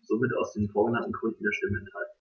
somit aus den vorgenannten Gründen der Stimme enthalten.